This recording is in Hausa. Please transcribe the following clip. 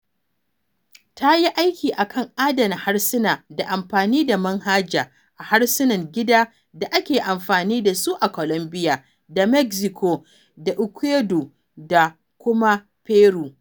Ta yi aiki a kan adana harsuna da amfani da manhaja a harsunan gida da ake amfani da su a Colombia da Mexico da Ecuador da kuma Peru.